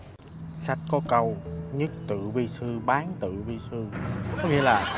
sách có câu nhất tự vi sư bán tự vi sư có nghĩa là